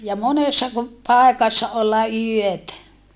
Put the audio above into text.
ja monessa kun paikassa olla yötä